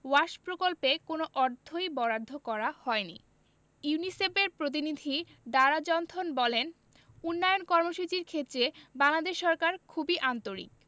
wash প্রকল্পে কোনো অর্থই বরাদ্দ করা হয়নি ইউনিসেফের প্রতিনিধি ডারা জনথন বলেন উন্নয়ন কর্মসূচির ক্ষেত্রে বাংলাদেশ সরকার খুবই আন্তরিক